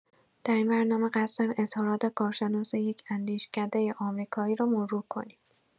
در این برنامه قصد داریم اظهارات کارشناس یک اندیشکده آمریکایی را مرور کنیم.